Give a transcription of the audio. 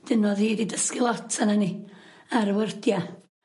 'Dyn o'dd 'i 'di dysgu lot ano ni ar y wyrdia.